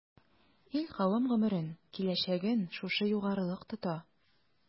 Ил-кавем гомерен, киләчәген шушы югарылык тота.